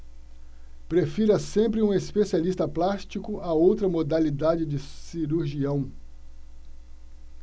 prefira sempre um especialista plástico a outra modalidade de cirurgião